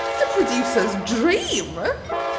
She's a producer's dream!